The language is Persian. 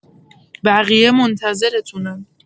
بقیه منتظرتونن.